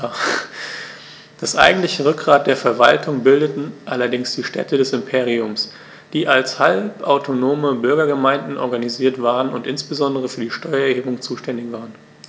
Das eigentliche Rückgrat der Verwaltung bildeten allerdings die Städte des Imperiums, die als halbautonome Bürgergemeinden organisiert waren und insbesondere für die Steuererhebung zuständig waren.